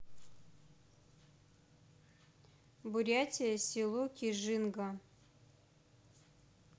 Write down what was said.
бурятия село кижинга